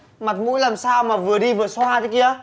mặt mũi làm sao mà vừa đi vừa xoa thế kia